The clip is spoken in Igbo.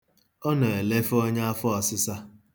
Ọ na-elefe onye afọọsịsa.